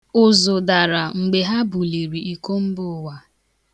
Ụzụ gadara mgbe ha buliri iko mbụụwa.